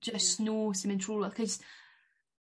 jyst nw sy'n mynd trw' ac'os